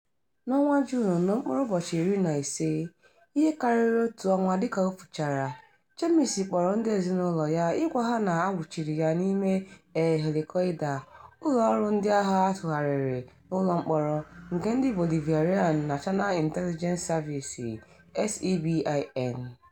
Na Juun 15, ihe karịrị otu ọnwa dịka o fuchara, Jaimes kpọrọ ndị ezinaụlọ ya ịgwa ha na a nwụchiri ya n'ime El Helicoide, ụlọọrụ ndịagha atụgharịrị n'ụlọmkpọrọ nke ndị Bolivarian National Intelligence Service (SEBIN).